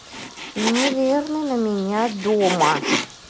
неверный на меня дома